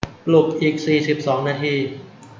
ปลุกอีกสี่สิบสองนาที